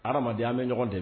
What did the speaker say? Adamaden an bi ɲɔgɔn de